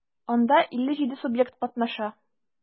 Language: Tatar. Анда 57 субъект катнаша.